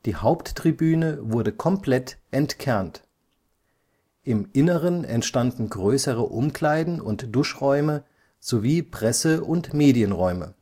Haupttribüne wurde komplett entkernt. Im Inneren entstanden größere Umkleiden und Duschräume sowie Presse - und Medienräume